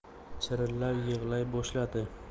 chirillab yig'lay boshladi